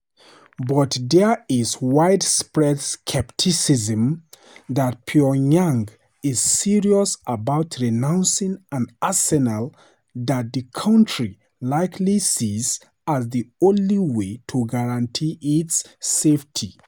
But there is widespread skepticism that Pyongyang is serious about renouncing an arsenal that the country likely sees as the only way to guarantee its safety.